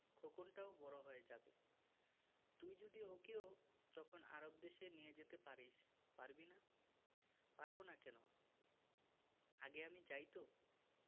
খোকনটাও বড় হয়ে যাবে তুই যদি ওকেও তখন আরব দেশে নিয়ে যেতে পারিস পারবি না পারব না কেন আগে আমি যাই তো